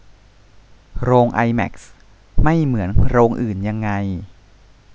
โรงไอแม็กซ์ไม่เหมือนโรงอื่นยังไง